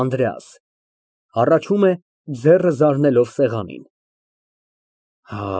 ԱՆԴՐԵԱՍ ֊ (Հառաչում է, ձեռը զարնելով սեղանին)։